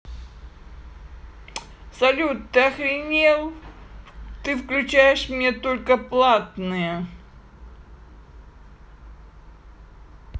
салют ты что охренел ты включаешь мне только платные